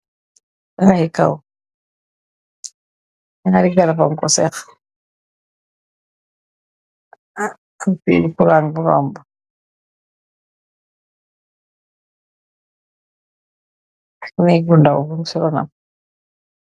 Taahi kaw naari garab bann ko seeha am fili kuran bu romba neeg bi ndaw mung si runam.